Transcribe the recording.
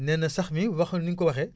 nee na sax mi wax ni nga ko waxee